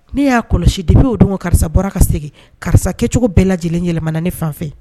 Ne y'a kɔlɔsi depuis o doŋo karisa bɔra ka segin karisa kɛcogo bɛɛ lajɛlen yɛlɛmana ne fanfɛ